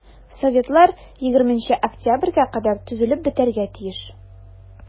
Советлар 20 октябрьгә кадәр төзелеп бетәргә тиеш.